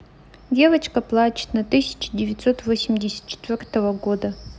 девочка плачет на тысяча девятьсот восемьдесят четвертого года